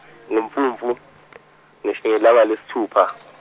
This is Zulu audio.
ngoMfumfu nges- ngelanga lesithupha.